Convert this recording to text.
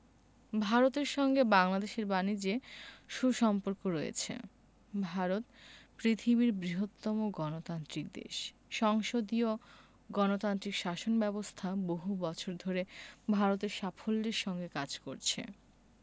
ভারতের সঙ্গে বাংলাদেশের বানিজ্যে সু সম্পর্ক রয়েছে ভারত পৃথিবীর বৃহত্তম গণতান্ত্রিক দেশ সংসদীয় গণতান্ত্রিক শাসন ব্যাবস্থা বহু বছর ধরে ভারতে সাফল্যের সঙ্গে কাজ করছে